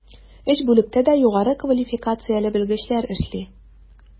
Өч бүлектә дә югары квалификацияле белгечләр эшли.